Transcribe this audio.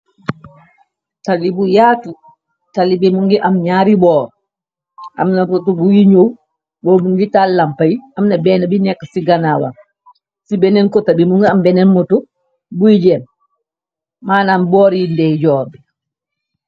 Tali bu yaatu tali bi mu ngi am ñaari boor amna motu bu yi ñu boomun ji tàl lampa y amna benn bi nekk ci ganawa ci benneen kota bi mu ngi am beneen motu buy jém maanam boor yi ndey joor bi.